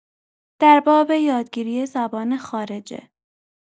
در باب یادگیری زبان خارجه